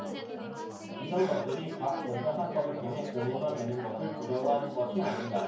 이런 것들이 곽 중사 사건을 통해 공론화되는 것을 두려워하는 것이 아닌가